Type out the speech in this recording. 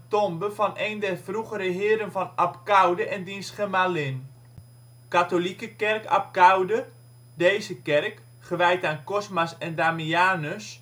tombe van een der vroegere Heren van Abcoude en diens gemalin. Katholieke kerk Abcoude, Deze kerk, geweid aan Cosmas en Damianus